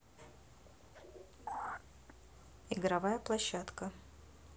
игровая площадка